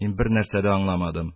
Мин бернәрсә дә аңламадым.